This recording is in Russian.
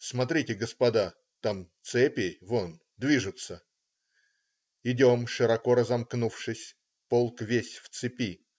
"Смотрите, господа, там цепи, вон движутся!" Идем широко разомкнувшись-полк весь в цепи.